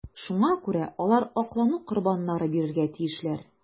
Шуңа күрә алар аклану корбаннары бирергә тиешләр.